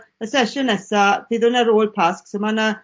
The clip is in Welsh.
y sesiwn nesa, bydd 'wn ar ôl Pasg so ma' 'na